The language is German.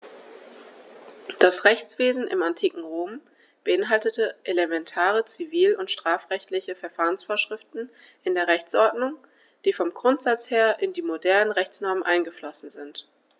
Das Rechtswesen im antiken Rom beinhaltete elementare zivil- und strafrechtliche Verfahrensvorschriften in der Rechtsordnung, die vom Grundsatz her in die modernen Rechtsnormen eingeflossen sind.